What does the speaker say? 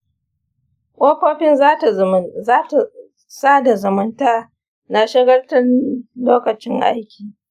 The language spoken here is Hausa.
kafofin sada zumunta na shagaltar ni lokacin aiki.